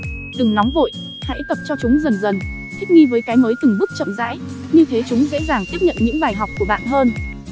đừng nóng vội hãy tập cho chúng dần dần thích nghi với cái mới từng bước chậm rãi như thế chúng dễ dàng tiếp nhận những bài học của bạn hơn